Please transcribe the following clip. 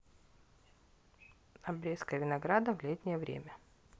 обрезка винограда в летнее время